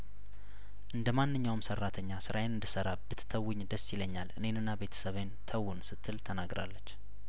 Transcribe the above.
እንደ ማንኛውም ሰራተኛ ስራዬን እንድሰራ ብት ተውኝ ደስ ይለኛል እኔንና ቤተሰቤን ተውን ስትል ተናግራለች